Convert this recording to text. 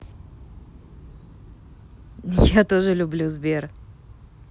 я тоже люблю сбер